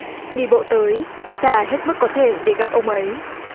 đi bộ tới xa hết mức có thể để gặp ông ấy